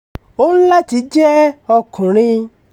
Ó ń láti jẹ́ ọkùnrin.